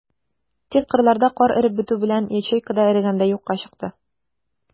Тик кырларда кар эреп бетү белән, ячейка да эрегәндәй юкка чыга.